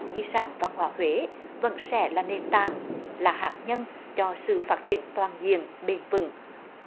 di sản văn hóa huế vẫn sẽ là nền tảng là hạt nhân cho sự phát triển toàn diện bền vững